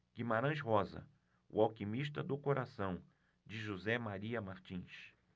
guimarães rosa o alquimista do coração de josé maria martins